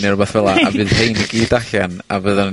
ne' rwbeth fela... ...a fydd rhein i gyd allan, a fyddan ni...